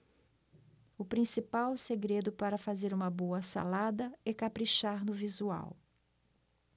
o principal segredo para fazer uma boa salada é caprichar no visual